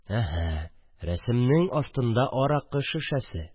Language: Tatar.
Әһә, рәсемнең, астында – аракы шешәсе